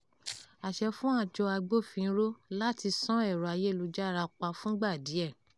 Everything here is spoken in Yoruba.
Àṣẹ fún Àjọ Agbófinró láti ṣán ẹ̀rọ ayélujára pa fúngbà díẹ̀